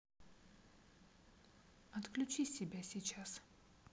отключи себя сейчас